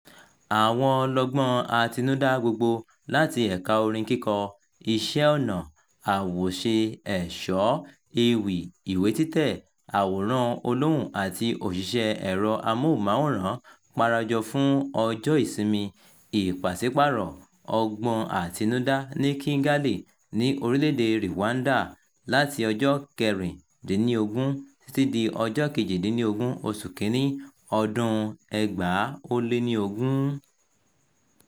Àwọn ọlọ́gbọ́n àtinudá gbogbo láti ẹ̀ka orin kíkọ, iṣẹ́ ọnà, àwòṣe, ẹ̀ṣọ́, ewì, ìwé títẹ̀, àwòrán-olóhùn àti òṣìṣẹ́ ẹ̀rọ amóhùnmáwòràn parojọ fún Ọjọ́ Ìsinmi Ìpàṣípààrọ̀ Ọgbọ́n Àtinudá ní Kigali, ní orílẹ̀-èdèe Rwanda, ní ọjọ́ 16-18 oṣù kìíní, Ọdún-un 2020.